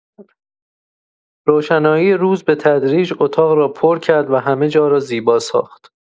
روشنایی روز به‌تدریج اتاق را پر کرد و همه‌جا را زیبا ساخت.